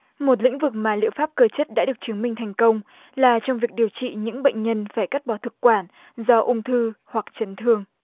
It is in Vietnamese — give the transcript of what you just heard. một lĩnh vực mà liệu pháp cơ chết đã được chứng minh thành công là trong việc điều trị những bệnh nhân phải cắt bỏ thực quản do ung thư hoặc chấn thương